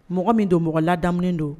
Mɔgɔ min don mɔgɔ lada don